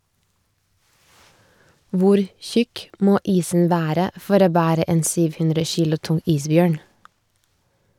Hvor tjukk må isen være for å bære en 700 kilo tung isbjørn?